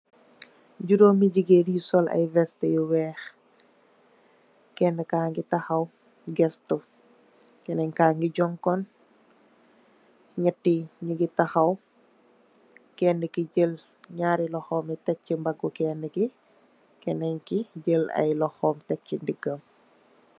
Juroomi jigeen yu sol aye vest yu weex, ken kaangi taxaw gestu, kenen kaangi jongkon, ñati yu ñungi taxaw, kenki jel ñaari loxomi tek si mbagu kenki, kenen ki jel aye loxom tek chi ndogam.